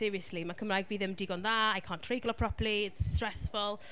Seriously? Mae Cymraeg fi ddim digon dda. I can't treiglo properly. It's stressful.